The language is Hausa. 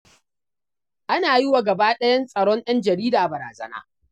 Ana yi wa gaba ɗayan tsaron yan jarida barazana.